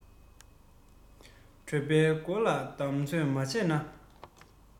གྲོད པའི སྒོ ལ བསྡམ ཚོད མ བྱས ན